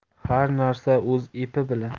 har narsa o'z epi bilan